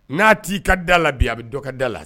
N'a t'i ka da la bi a bɛ dɔ ka da la